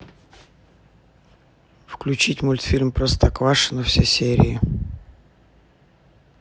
включить мультфильм простоквашино все серии